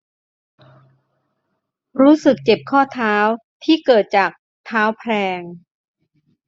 รู้สึกเจ็บข้อเท้าที่เกิดจากเท้าแพลง